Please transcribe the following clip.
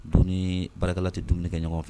Don ni barikakala tɛ dumuni kɛ ɲɔgɔn fɛ